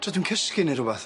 Tra dwi'n cysgu ne' rwbath?